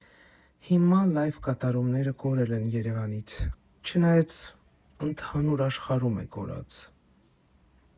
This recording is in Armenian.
Հիմա լայվ կատարումները կորել են Երևանից, չնայած ընդհանուր աշխարհում է կորած։